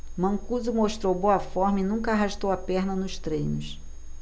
mancuso mostrou boa forma e nunca arrastou a perna nos treinos